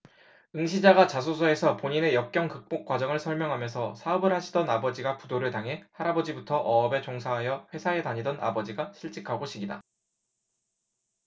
응시자가 자소서에서 본인의 역경 극복 과정을 설명하면서 사업을 하시던 아버지가 부도를 당해 할아버지부터 어업에 종사하여 회사에 다니던 아버지가 실직하고 식이다